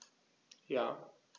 Ja.